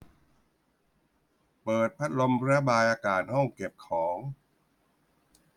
เปิดพัดลมระบายอากาศห้องเก็บของ